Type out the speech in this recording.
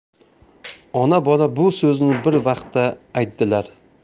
ona bola bu so'zni bir vaqtda aytdilar